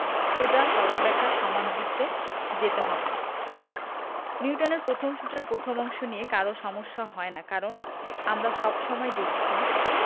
সোজা সরল রেখায় সমান দ্রুতিতে যেতে হবে নিউটনের পথম সূত্রের পথম অংশ নিয়ে কারো সমস্যা হয় না কারণ আমরা সব সময়ই দেখছি